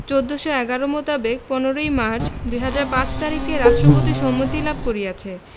১৪১১ মোতাবেক ১৫ই মার্চ ২০০৫ তারিখে রাষ্ট্রপতির সম্মতি লাভ করিয়াছে